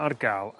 ar ga'l